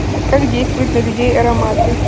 как действуют на людей ароматы